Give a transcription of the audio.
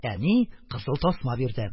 Әни кызыл тасма бирде.